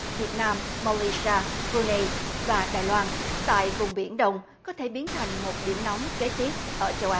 việt nam ma lai si a bờ lu nây và đài loan tại vùng biển đông có thể biến thành một điểm nóng kế tiếp ở châu á